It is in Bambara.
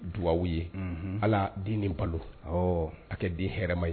Duwa ye ala den den balo a kɛ den hɛrɛma ye